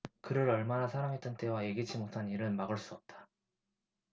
그를 얼마나 사랑했든 때와 예기치 못한 일을 막을 수는 없다